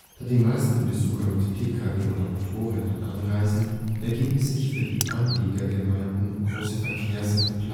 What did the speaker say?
die meisten Besucher mit PKW oder Motorrädern anreisen, ergeben sich für die Anliegergemeinden große Verkehrs - und Parkplatzprobleme